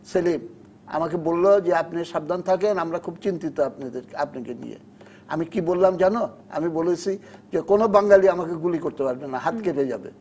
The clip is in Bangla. সেলিম কে বলল যে আপনি সাবধান থাকেন আমরা খুব চিন্তিত আপনাকে নিয়ে আমি কি বললাম জানো আমি বলেছি যে কোন বাঙালি আমাকে গুলি করতে পারবে না হাত কেটে যাবে